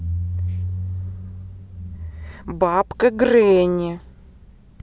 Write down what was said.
бабка гренни